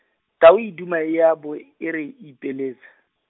tau e duma e a bo, e re, ipeletsa.